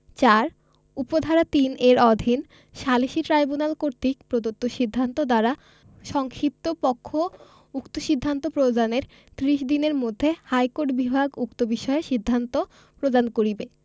৪ উপ ধারা ৩ এর অধীন সালিসী ট্রাইব্যুনাল কর্তৃক প্রদত্ত সিদ্ধান্ত দ্বারা সংক্ষুব্ধ পক্ষ উক্ত সিদ্ধান্ত প্রদানের ত্রিশ দিনের মধ্যে হাইকোর্ট বিভাগ উক্ত বিষয়ে সিদ্ধান্ত প্রদান করিবে